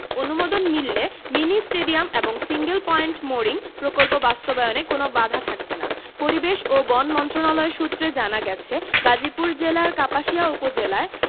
অনুমোদন মিললে mini stadium এবং সিঙ্গেল পয়েন্ট মোরিং প্রকল্প বাস্তবায়নে কোনো বাধা থাকবে না পরিবেশ ও বন মন্ত্রণালয় সূত্রে জানা গেছে গাজীপুর জেলার কাপাসিয়া উপজেলায়